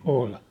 oli